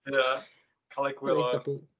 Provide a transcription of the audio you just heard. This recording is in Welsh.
Ia cael egwyl a...